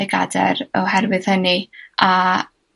y gader oherwydd hynny, a